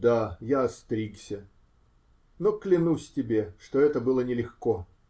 Да, я остригся, но клянусь тебе, что это было нелегко.